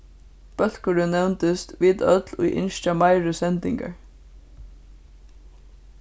bólkurin nevndist vit øll ið ynskja meiri sendingar